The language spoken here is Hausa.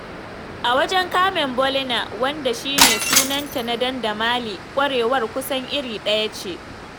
A wajen Carmen Bolena, wanda shi ne sunanta na dandamali, ƙwarewar kusan iri ɗaya ce.